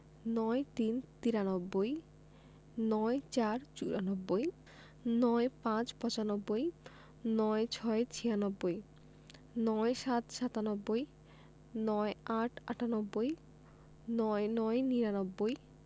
৯৩ - তিরানব্বই ৯৪ – চুরানব্বই ৯৫ - পচানব্বই ৯৬ - ছিয়ানব্বই ৯৭ – সাতানব্বই ৯৮ - আটানব্বই ৯৯ - নিরানব্বই